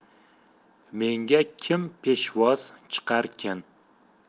menga kim peshvoz chiqarkin